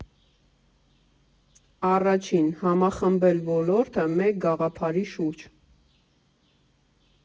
Առաջին՝ համախմբել ոլորտը մեկ գաղափարի շուրջ։